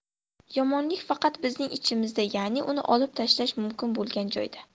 yomonlik faqat bizning ichimizda ya'ni uni olib tashlash mumkin bo'lgan joyda